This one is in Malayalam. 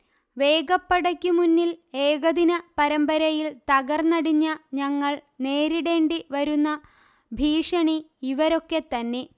വേഗപ്പടയ്ക്കു മുന്നിൽ ഏകദിന പരമ്പരയിൽ തകർന്നടിഞ്ഞ ഞങ്ങൾ നേരിടേണ്ടി വരുന്ന ഭീഷണി ഇവരൊക്കെത്തന്നെ